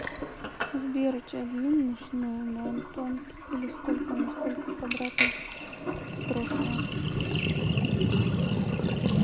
сбер у тебя длинный шнур но он тонкий или сколько на сколько квадратных в трошина